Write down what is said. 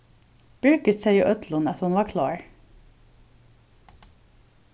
birgit segði øllum at hon var klár